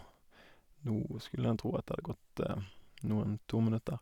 Nå skulle en tro at det hadde gått noen to minutter.